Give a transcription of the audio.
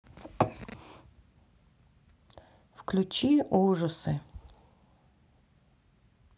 включи ужасы